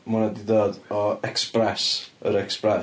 Ma' hwnna 'di dod o Express yr Express.